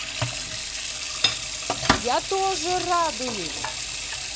я тоже радуюсь